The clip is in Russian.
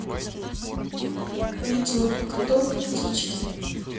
видео для котов птички